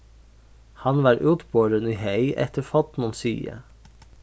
hann var útborin í heyg eftir fornum siði